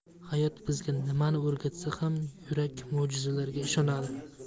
hayot bizga nimani o'rgatsa ham yurak mo''jizalarga ishonadi